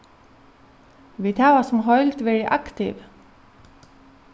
vit hava sum heild verið aktiv